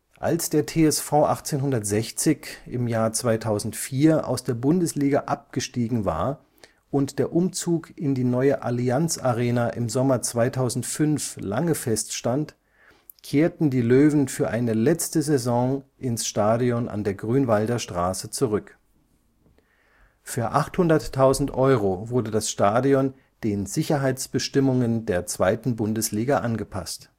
Als der TSV 1860 2004 aus der Bundesliga abgestiegen war und der Umzug in die neue Allianz Arena im Sommer 2005 lange feststand, kehrten die Löwen für eine letzte Saison ins Stadion an der Grünwalder Straße zurück. Für 800.000 Euro wurde das Stadion den Sicherheitsbestimmungen der 2. Bundesliga angepasst